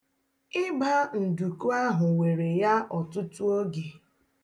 Ịba nduku ahụ were ya ọtụtụ oge.